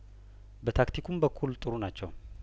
በታክቲኩም በኩል ጥሩ ናቸው